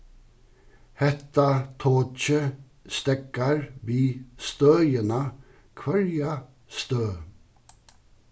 hetta tokið steðgar við støðina hvørja støð